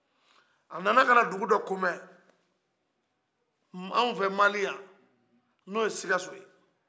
a nana kana dugu dɔ ko mɛ an fɛ mali yan ni o ye sikaso ye